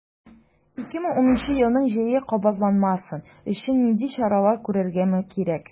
2010 елның җәе кабатланмасын өчен нинди чаралар күрергә кирәк?